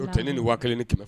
O tɛ ni nin waa kelen ni kɛmɛ